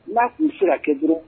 N'a tun sira kɛ dɔrɔn